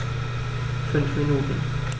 5 Minuten